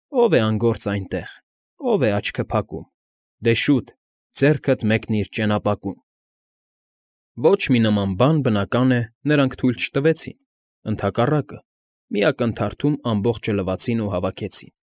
Ո՞վ է անգործ այնտեղ, ո՞վ է աչքերը փակում. Դե շուտ, ձեռքդ մեկնիր ճենապակուն… Ոչ մի նման բան ըդհակառակը, բնական է, նրանք թույլ չտվեցին, ընդհակառակը, մի ակնթարթում ամբողջը լվացին ու հավաքեցին,